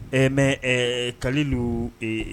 Ɛɛ mɛ ɛɛ ka don